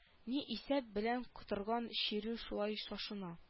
Ни исәп белән котырган чирү шулай шашына